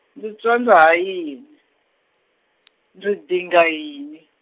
ndzi tsandza ha yini, ndzi dinga yini?